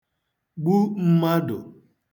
gbu m̄mādụ̀